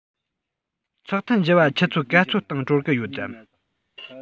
ཚོགས ཐུན བཞི པ ཆུ ཚོད ག ཚོད སྟེང གྲོལ གི ཡོད དམ